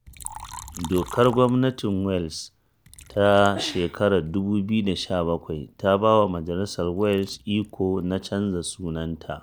Dokar Gwamnatin Welsh ta 2017 ta ba wa majalisar Welsh iko na canza sunanta.